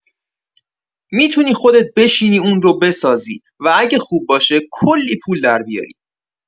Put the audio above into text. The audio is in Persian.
می‌تونی خودت بشینی اون رو بسازی و اگه خوب باشه، کلی پول دربیاری!